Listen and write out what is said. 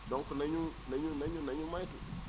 donc na ñuy na ñuy na ñuy moytu